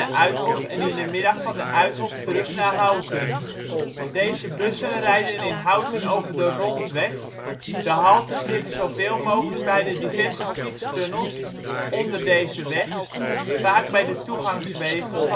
Uithof en in de middag van de Uithof terug naar Houten. Deze bussen rijden in Houten over de Rondweg, de haltes liggen zo veel mogelijk bij de diverse fietstunnels onder deze weg, vaak bij de toegangswegen